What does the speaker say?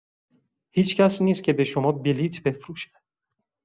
هیچ‌کس نیست که به شما بلیت بفروشد.